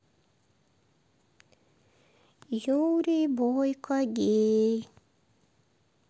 юрий бойко гей